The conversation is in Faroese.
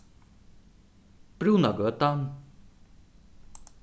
brúnagøta